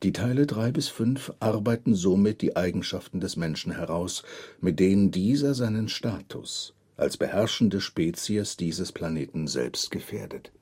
Teile drei bis fünf arbeiten somit die Eigenschaften des Menschen heraus, mit denen dieser seinen Status als beherrschende Spezies dieses Planeten selbst gefährdet